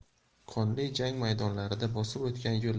qonli jang maydonlarida bosib o'tgan